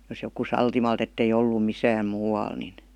jos joku sattumalta että ei ollut missään muualla niin